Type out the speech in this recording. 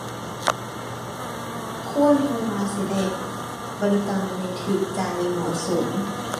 ควร เพราะว่าสิได้บริการได้ถูกใจ เหมาะสม